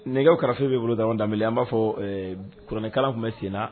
Nɛgɛw karafe bɛ i bolo Daramai Danbɛlɛ an b'a fɔ kurankala tun bɛ sen na.